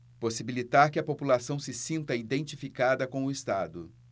possibilitar que a população se sinta identificada com o estado